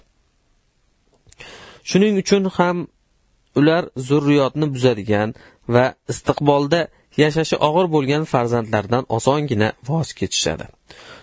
shuning uchun ular zurriyotni buzadigan va istiqbolda yashashi og'ir bo'lgan farzandlaridan osongina voz kechishadi